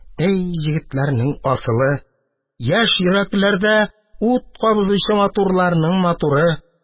Әй егетләрнең асылы, яшь йөрәкләрдә ут кабызучы матурларның матуры!